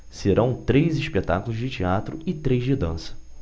serão três espetáculos de teatro e três de dança